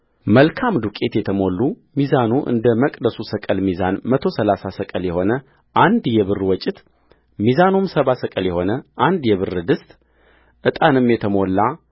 መልካም ዱቄት የተሞሉ ሚዛኑ እንደ መቅደሱ ሰቅል ሚዛን መቶ ሠላሳ ሰቅል የሆነ አንድ የብር ወጭት ሚዛኑም ሰባ ሰቅል የሆነ አንድ የብር ድስትዕጣንም የተሞላ